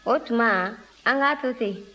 o tuma an k'a to ten